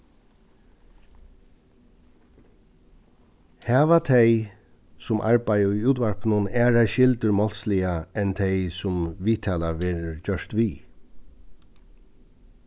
hava tey sum arbeiða í útvarpinum aðrar skyldur málsliga enn tey sum viðtala verður gjørt við